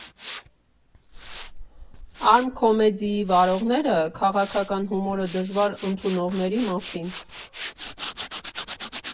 «Արմքոմեդիի» վարողները՝ քաղաքական հումորը դժվար ընդունողների մասին։